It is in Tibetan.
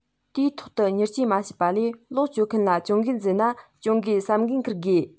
དུས ཐོག ཏུ མྱུར བཅོས མ བྱས པ ལས གློག སྤྱོད མཁན ལ གྱོང གུན བཟོས ན གྱོང གུན གསབ འགན འཁུར དགོས